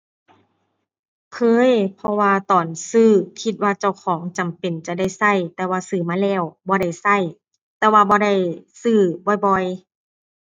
เคย เพราะว่าตอนซื้อคิดว่าเจ้าของจำเป็นจะได้ใช้ แต่ว่าซื้อมาแล้วบ่ได้ใช้ แต่ว่าบ่ได้ซื้อบ่อยบ่อย